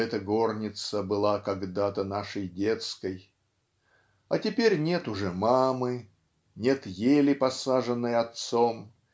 "Эта горница была когда-то нашей детской" а теперь нет уже мамы нет ели посаженной отцом